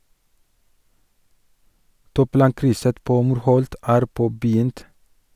Toplankrysset på Morholt er påbegynt.